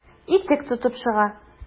Итек тотып чыга.